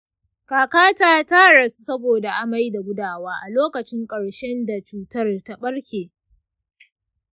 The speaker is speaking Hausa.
kakata ta rasu saboda amai da gudawa a lokacin ƙarshe da cutar ta ɓarke.